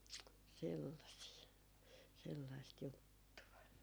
sellaisia sellaista juttua